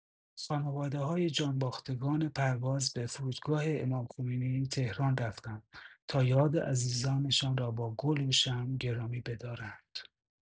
خانواده‌های جانباختگان پروازبه فرودگاه امام‌خمینی تهران رفتند تا یاد عزیزانشان را با گل و شمع گرامی بدارند.